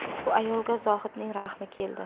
bu ayolga zohidning rahmi keldi